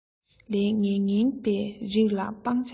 ལས ངན ངན པའི རིགས ལ སྤང བྱ གྱིས